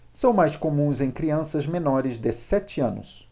são mais comuns em crianças menores de sete anos